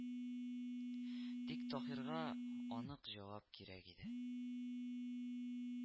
Тик Таһирга анык җавап кирәк иде